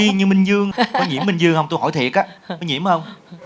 y như minh vương có nhiễm minh vương không tôi hỏi thiệt á có nhiễm không